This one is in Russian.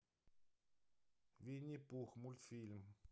винни пух мультфильм